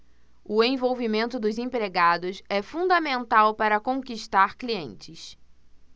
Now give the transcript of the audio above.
o envolvimento dos empregados é fundamental para conquistar clientes